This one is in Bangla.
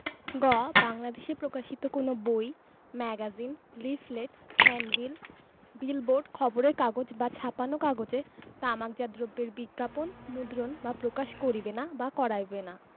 গ বাংলাদেশে প্রকাশিত কোন বই ম্যাগাজিন লিফলেট হ্যান্ডবিল বিলবোর্ড খবরের কাগজ বা ছাপানো কাগজে তামাকজাত দ্রব্যের বিজ্ঞাপন মুদ্রণ বা প্রকাশ করিবে না বা করাইবে না